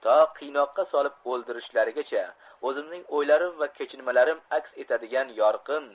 to qiynoqqa solib o'ldirishlarigacha o'zimning o'ylarim va kechinmalarim aks etadigan yorqin